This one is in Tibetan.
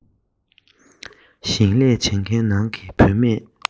ཞིང ལས བྱེད མཁན ནང གི བུ མེད